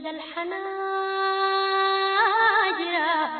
Sangɛnin